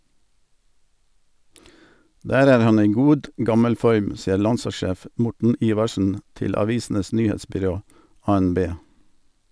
Der er han i god gammel form, sier landslagssjef Morten Ivarsen til Avisenes Nyhetsbyrå (ANB).